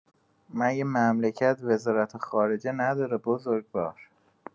مگه مملکت وزارت‌خارجه نداره بزرگوار؟